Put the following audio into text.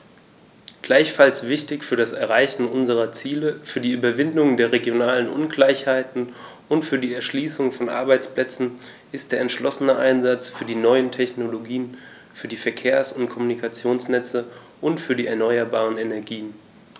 Gleichfalls wichtig für das Erreichen unserer Ziele, für die Überwindung der regionalen Ungleichheiten und für die Erschließung von Arbeitsplätzen ist der entschlossene Einsatz für die neuen Technologien, für die Verkehrs- und Kommunikationsnetze und für die erneuerbaren Energien.